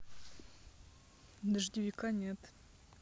дождевика нет